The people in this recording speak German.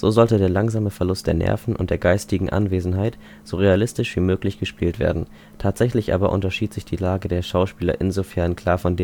sollte der langsame Verlust der Nerven und der geistigen Anwesenheit so realistisch wie möglich gespielt werden. Tatsächlich aber unterschied sich die Lage der Schauspieler insofern klar von